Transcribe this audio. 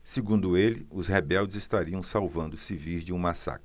segundo ele os rebeldes estariam salvando os civis de um massacre